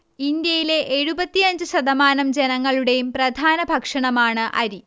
ഇന്ത്യയിലെ എഴുപത്തിയഞ്ച് ശതമാനം ജനങ്ങളുടേയും പ്രധാന ഭക്ഷണമാണ് അരി